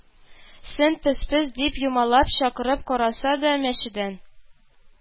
Сен «пес-пес» дип юмалап чакырып караса да, мәчедән